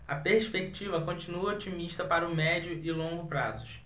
a perspectiva continua otimista para o médio e longo prazos